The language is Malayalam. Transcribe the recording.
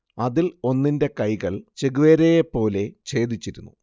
അതിൽ ഒന്നിന്റെ കൈകൾ ചെഗുവേരയെപ്പോലെ ഛേദിച്ചിരുന്നു